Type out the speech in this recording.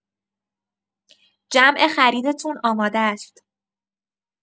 جمع خریدتون آماده‌ست.